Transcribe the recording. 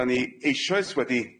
Dan ni eisoes wedi